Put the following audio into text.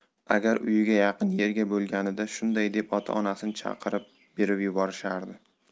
agar uyiga yaqin yerda bo'lganida shunday deb ota onasini chaqirib berib yuborishardi